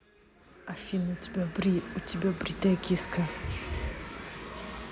афина у тебя бри у тебя бритая киска